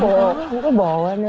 không có không có bồ anh ơi